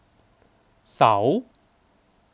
เสาร์